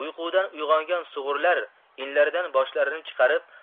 uyqudan uyg'ongan sug'urlar inlaridan boshlarini chiqarib